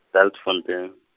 Bultfontein.